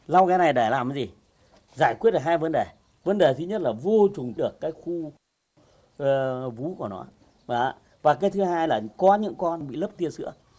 lau cái này để làm cái gì giải quyết được hai vấn đề vấn đề thứ nhất là vô trùng được cái khu ơ vú của nó và và cái thứ hai là có những con bị lấp tia sữa